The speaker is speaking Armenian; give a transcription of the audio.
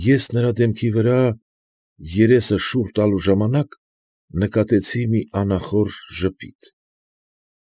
Ես նրա դեմքի վրա, երեսը շուռ տալու Ժամանակ, նկատեցի մի անախորժ ժպիտ։